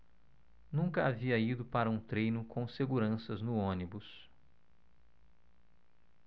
nunca havia ido para um treino com seguranças no ônibus